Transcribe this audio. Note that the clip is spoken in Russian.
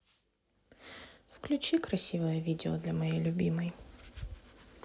включи красивое видео для моей любимой